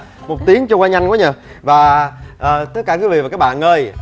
một tiếng trôi qua nhanh quá nhờ và ờ tất cả các bạn ơi